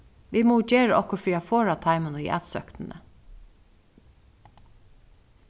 vit mugu gera okkurt fyri at forða teimum í atsóknini